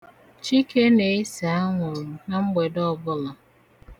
Chike na-ese anwụrụ na mgbede ọbụla.